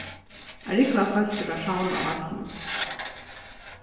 ein rúgva av fólki var savnað á vaglinum